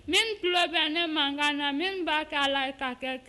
Min tulo bɛ ne mankan na min ba kɛ a la ka kɛ kɛ